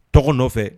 Tɔgɔ nɔfɛ